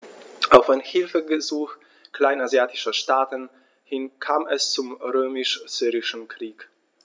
Auf ein Hilfegesuch kleinasiatischer Staaten hin kam es zum Römisch-Syrischen Krieg.